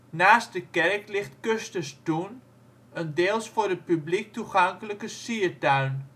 Naast de kerk ligt Kösters toen, een deels voor het publiek toegankelijke siertuin